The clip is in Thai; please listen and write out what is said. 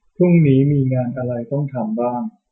พรุ่งนี้มีงานอะไรต้องทำบ้าง